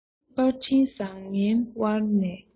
པར འཕྲིན བཟང ངན དབར ནས